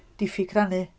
Diffyg rhannu.